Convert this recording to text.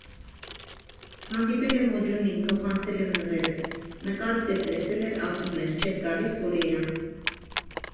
Հանդիպել եմ Օջունին, փոխանցել եմ նվերդ, նկարդ էլ տեսել էր, ասում էր՝ չե՞ս գալիս Կորեա։